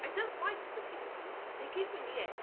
I don't like pretty boys, they give me the ick